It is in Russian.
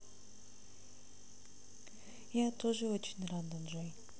я тоже очень рада джой